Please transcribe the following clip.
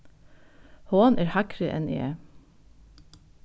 hon er hægri enn eg